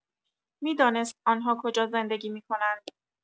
می‌دانست آن‌ها کجا زندگی می‌کنند.